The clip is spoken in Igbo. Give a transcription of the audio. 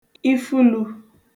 ifulū